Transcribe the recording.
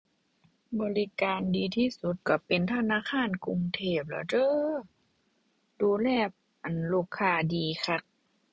บริการดีที่สุดก็เป็นธนาคารกรุงเทพล่ะเด้อ ดูแล อั่น ลูกค้าดีคัก